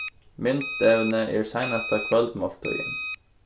myndevnið er seinasta kvøldmáltíðin